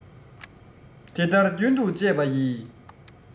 དེ ལྟར རྒྱུན དུ སྤྱད པ ཡིས